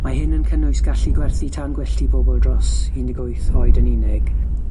Mae hyn yn cynnwys gallu gwerthu tân gwyllt i bobl dros unig wyth oed yn unig,